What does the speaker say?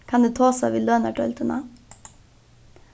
kann eg tosa við lønardeildina